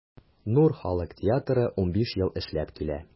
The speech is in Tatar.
“нур” халык театры 15 ел эшләп килә.